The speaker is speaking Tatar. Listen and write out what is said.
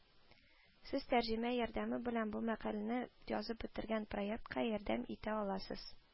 Сез тәрҗемә ярдәме белән бу мәкаләне язып бетереп проектка ярдәм итә аласыз